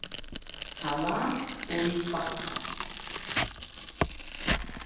salat í bakka